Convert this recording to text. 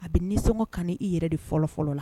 A bɛ nisɔnsɔngɔ ka i yɛrɛ de fɔlɔ fɔlɔ la